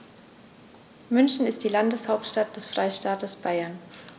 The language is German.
München ist die Landeshauptstadt des Freistaates Bayern.